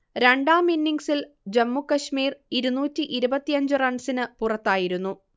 രണ്ടാം ഇന്നിങ്സിൽ ജമ്മു കശ്മീർ ഇരുന്നൂറ്റി ഇരുപത്തിയഞ്ച് റൺസിന് പുറത്തായിരുന്നു